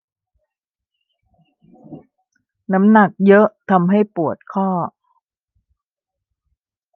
น้ำหนักเยอะทำให้ปวดข้อ